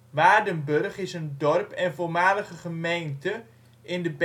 Waardenburg is een dorp en voormalige gemeente in de